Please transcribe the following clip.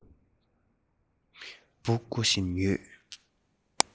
འབུ རྐོ བཞིན ཡོད